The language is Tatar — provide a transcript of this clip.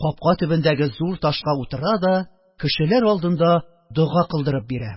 Капка төбендәге зур ташка утыра да кешеләр алдында дога кылдырып бирә.